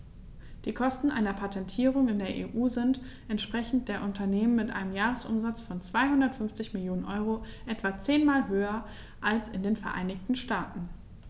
Die Kosten einer Patentierung in der EU sind, entsprechend der Unternehmen mit einem Jahresumsatz von 250 Mio. EUR, etwa zehnmal höher als in den Vereinigten Staaten.